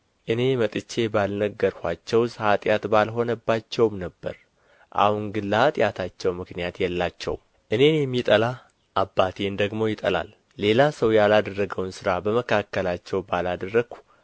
እኔ መጥቼ ባልነገርኋቸውስ ኃጢአት ባልሆነባቸውም ነበር አሁን ግን ለኃጢአታቸው ምክንያት የላቸውም እኔን የሚጠላ አባቴን ደግሞ ይጠላል ሌላ ሰው ያላደረገውን ሥራ በመካከላቸው ባላደረግሁ